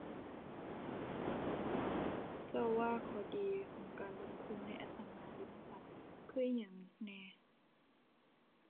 เจ้าว่าข้อดีของการลงทุนในอสังหาริมทรัพย์ คืออิหยังแหน่